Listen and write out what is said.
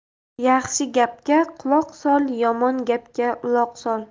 yaxshi gapga quloq sol yomon gapga uloq sol